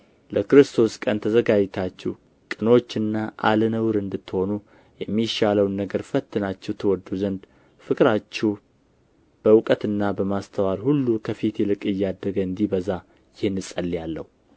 ለክርስቶስ ቀን ተዘጋጅታችሁ ቅኖችና አለ ነውር እንድትሆኑ የሚሻለውን ነገር ፈትናችሁ ትወዱ ዘንድ ፍቅራችሁ በእውቀትና በማስተዋል ሁሉ ከፊት ይልቅ እያደገ እንዲበዛ ይህን እጸልያለሁ